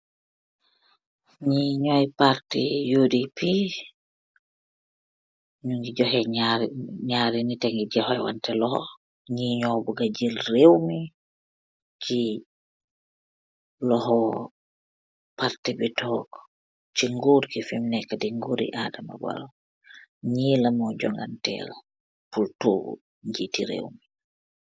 Njii njoi parti UDP, njungy jokheh njaari, njaari nitt tah ngi jokheh wanteh lokho, njii njur buga jeul rewmi, kii lokhor parti bi tok chi ngurr gui fim nekeu di ngurri adama barrow, njii lamor joh ngantel pur tohgu, njiiti rewmi.